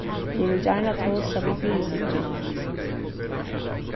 eg vil gjarna tosa við fyrisitingina